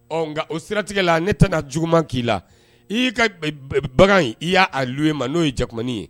Ɔ nka o siratigɛ la ne tɛna juguman k'i la i y'i ka bagan in i y'alu ma n'o ye jatekmaninin ye